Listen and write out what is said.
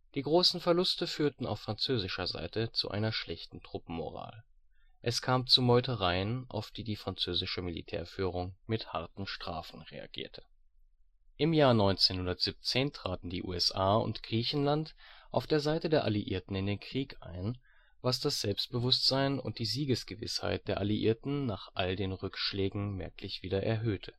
Die großen Verluste führten auf französischer Seite zu einer schlechten Truppenmoral. Es kam zu Meutereien, auf die die französische Militärführung mit harten Strafen reagierte. Im Jahr 1917 traten die USA und Griechenland auf der Seite der Alliierten in den Krieg ein, was das Selbstbewusstsein und die Siegesgewissheit der Alliierten nach all den Rückschlagen merklich wieder erhöhte